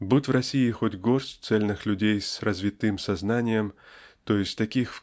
Будь в России хоть горсть цельных людей с развитым сознанием, т. е. таких